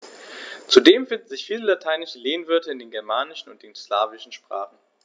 Zudem finden sich viele lateinische Lehnwörter in den germanischen und den slawischen Sprachen.